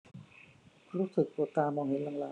รู้สึกปวดตามองเห็นลางลาง